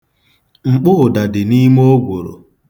Mkpọụda dị n'ime ogworo.